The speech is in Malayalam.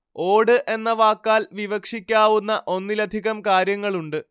ഓട് എന്ന വാക്കാൽ വിവക്ഷിക്കാവുന്ന ഒന്നിലധികം കാര്യങ്ങളുണ്ട്